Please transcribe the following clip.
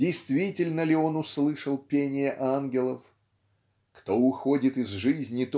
действительно ли он услышал пение ангелов кто уходит из жизни